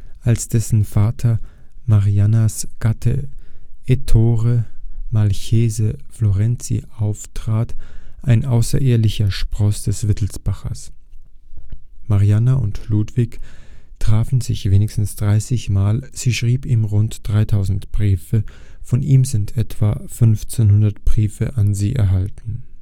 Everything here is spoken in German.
als dessen Vater Mariannas Gatte Ettore Marchese Florenzi auftrat, ein außerehelicher Spross des Wittelsbachers. Marianna und Ludwig trafen sich wenigstens 30-mal, sie schrieb ihm rund 3000 Briefe, von ihm sind etwa 1500 Briefe an sie erhalten